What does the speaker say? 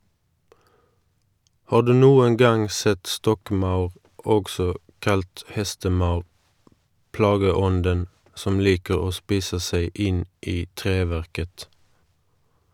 Har du noen gang sett stokkmaur, også kalt hestemaur, plageånden som liker å spise seg inn i treverket?